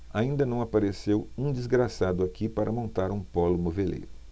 ainda não apareceu um desgraçado aqui para montar um pólo moveleiro